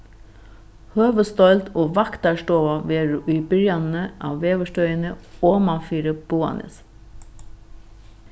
høvuðsdeild og vaktarstova verður í byrjanini á veðurstøðini omanfyri boðanes